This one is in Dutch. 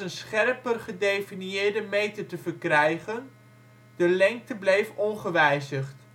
scherper gedefinieerde meter te verkrijgen; de lengte bleef ongewijzigd